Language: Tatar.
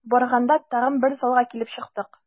Барганда тагын бер залга килеп чыктык.